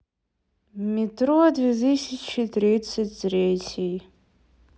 метро две тысячи тридцать третий